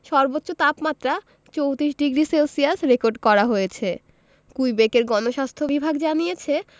সর্বোচ্চ তাপমাত্রা ৩৪ degree Celsius record করা হয়েছে কুইবেকের গণস্বাস্থ্য বিভাগ জানিয়েছে